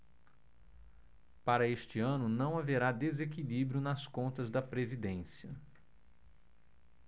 para este ano não haverá desequilíbrio nas contas da previdência